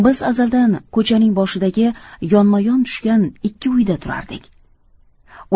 biz azaldan ko'chaning boshidagi yonma yon tushgan ikki uyda turardik